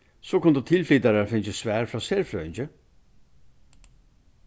so kundu tilflytarar fingið svar frá serfrøðingi